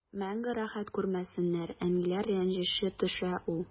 Мәңге рәхәт күрмәсеннәр, әниләр рәнҗеше төшә ул.